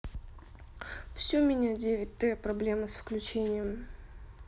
все меня девять t проблема с включением